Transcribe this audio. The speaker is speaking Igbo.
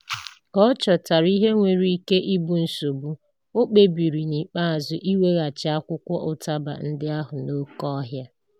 Ka ọ chọpụtara ihe nwere ike ịbụ nsogbu, o kpebiri n'ikpeazụ iweghachi akwụkwọ ụtaba ndị ahụ n'oke ohịa.